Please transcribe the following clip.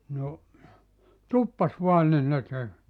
no tuppasi vain niin ne -